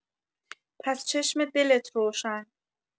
پس چشم دلت روشن.